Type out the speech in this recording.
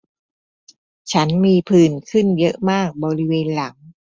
ฉันมีผื่นขึ้นเยอะมากบริเวณหลัง